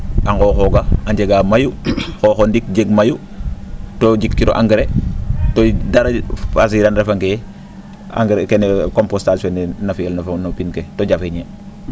a nqooxooga a njegaa mayu xoox o ndik jeg mayu too jikiro engrais to dara passer iran refangee engrais compostage fee na fi'el no pin ke to jafeñee